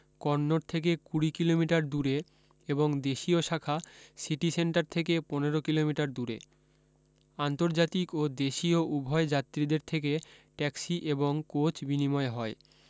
cannot থেকে কুড়ি kilometre দূরে এবং দেশীয় শাখা সিটি সেন্টার থেকে পনের কিলোমিটার দূরে আন্তর্জাতিক ও দেশীয় উভয় যাত্রীদের থেকে ট্যাক্সি এবং কোচ বিনিময় হয়